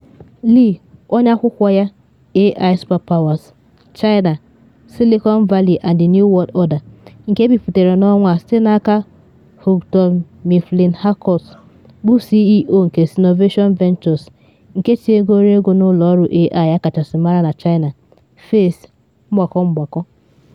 Lee, onye akwụkwọ ya “AI Superpowers: China, Silicon Valley and the New World Order” nke ebipụtara n’ọnwa a site n’aka Houghton Mifflin Harcourt, bụ CEO nke Sinovation Ventures, nke tinyegoro ego n’ụlọ ọrụ AI akachasị mara na China, Face++.